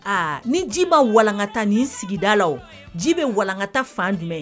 Aa ni ji ma walankata ni n sigidalaw ji bɛ walankata fan jumɛn ye